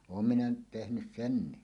olen minä nyt tehnyt sen